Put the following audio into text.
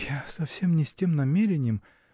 -- Я совсем не с тем намерением.